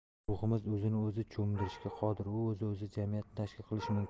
bizning ruhimiz o'zini o'zi cho'mdirishga qodir u o'zi o'z jamiyatini tashkil qilishi mumkin